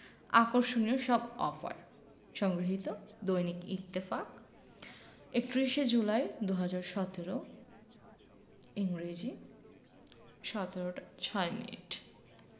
আকর্ষণীয় সব অফার সংগৃহীত দৈনিক ইত্তেফাক ৩১ জুলাই ২০১৭ ইংরেজি ১৭ টা ৬ মিনিট